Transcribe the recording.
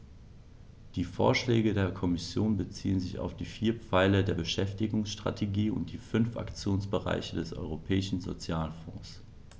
Die Vorschläge der Kommission beziehen sich auf die vier Pfeiler der Beschäftigungsstrategie und die fünf Aktionsbereiche des Europäischen Sozialfonds.